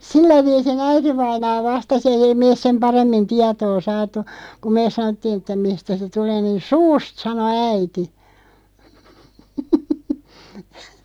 sillä viisiin äitivainaa vastasi ei ei me sen paremmin tietoa saatu kun me sanottiin että mistä se tulee niin suusta sanoi äiti